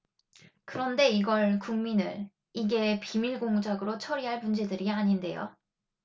그런데 이걸 국민을 이게 비밀 공작으로 처리할 문제들이 아닌데요